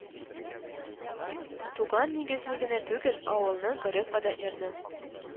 Туган нигезне генә түгел, авылны, гореф-гадәтләрне,